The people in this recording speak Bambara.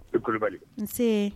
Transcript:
I kulubali nse